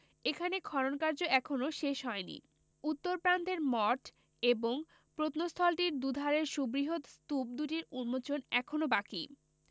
এখানে খননকার্য এখনও শেষ হয়নি উত্তর প্রান্তের মঠ এবং প্রত্নস্থলটির দুধারের সুবৃহৎ স্তূপ দুটির উন্মোচন এখনও বাকি